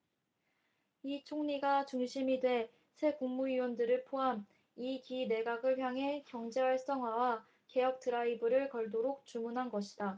이 총리가 중심이 돼 새 국무위원들을 포함한 이 기 내각을 향해 경제활성화와 개혁 드라이브를 걸도록 주문한 것이다